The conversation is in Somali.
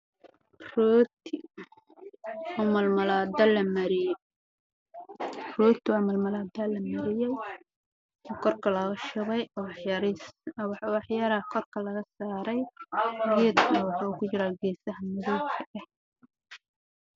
Waa shukulaato midabkeedu yahay jaale oo karsan